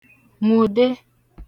nwùde